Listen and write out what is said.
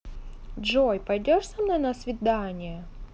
джой пойдешь со мной на свидание